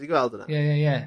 Ti 'di gweld wnna? Ie ie ie.